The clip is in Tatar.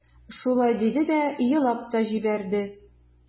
Шулай диде дә елап та җибәрде.